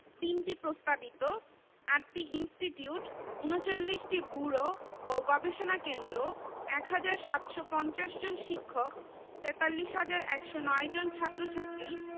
১৯টি আবাসিক হল ২টি নির্মাণাধীন ৩টি হোস্টেল ও ২৪৭টি ট্রাস্ট ফান্ড রয়েছে বর্তমান শিক্ষকদের প্রায়